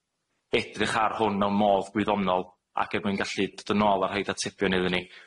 edrych ar hwn mewn modd gwyddonol, ac er mwyn gallu dod yn ôl a rhoid atebion iddyn ni.